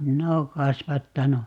minä olen kasvattanut